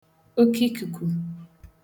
okiikùkù